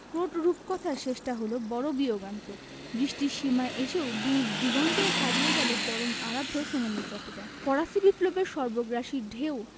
Croat রূপকথার শেষটা হল বড় বিয়োগান্তক দৃষ্টিসীমায় এসেও দূরদিগন্তে হারিয়ে গেল পরম আরাধ্য সোনার ট্রফিটা ফরাসি বিপ্লবের সর্বগ্রাসী ঢেউ